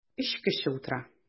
Өч кеше утыра.